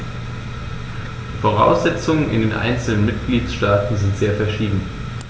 Die Voraussetzungen in den einzelnen Mitgliedstaaten sind sehr verschieden.